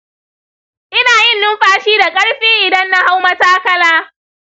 ina yin numfashi da ƙarfi idan na hau matakala.